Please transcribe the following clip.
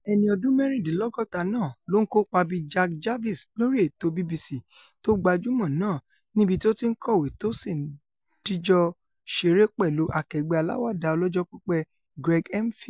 Ẹni ọdún mẹ́rìndínlọ́gọ́ta náà ló ńkópa bíi Jack Jarvis lórí ètò BBC tó gbajúmọ̀ náà, níbití ó ti ńkọ̀wé tó sì ńdìjọ ṣeré pẹ̀lú akẹgbẹ́ aláàwàdà ọlọ́jọ́-pípẹ́ Greg Hemphill.